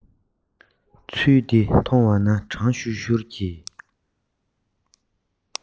ཚུལ འདི མཐོང བ ན གྲང ཤུར ཤུར གྱི